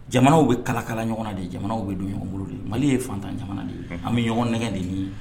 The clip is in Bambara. Jamana bɛ kalakala ɲɔgɔn de ye jamana bɛ don ɲɔgɔn bolo de mali ye fantan jamana de ye an bɛ ɲɔgɔn nɛgɛ de nin ye